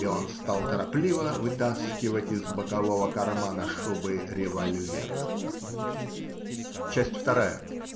И он стал торопливо вытаскивать из бокового кармана шубы револьвер. Часть вторая.